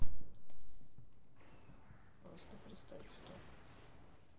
просто представь что